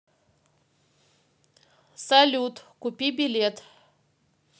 салют купи билет